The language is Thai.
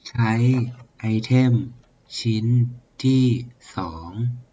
ใช้ไอเทมชิ้นที่สอง